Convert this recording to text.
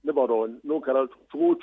Ne b'a dɔn n'o kɛra cogo